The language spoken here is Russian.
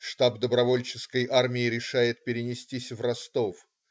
Штаб Добровольческой армии решает перенестись в Ростов.